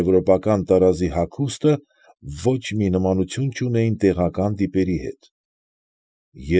Եվրոպական տարազի հագուստը ոչ մի նմանություն չունեին տեղական տիպերի հետ։